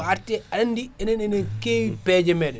o arti aɗa andi enen eɗen kewi peeje meɗen